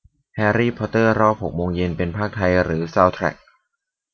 แฮรี่พอตเตอร์รอบหกโมงเย็นเป็นพากย์ไทยหรือซาวด์แทรก